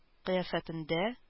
Кыяфәтендә